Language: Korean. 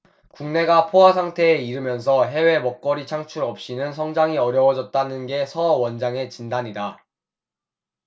국내가 포화상태에 이르면서 해외 먹거리 창출 없이는 성장이 어려워졌다는 게 서 원장의 진단이다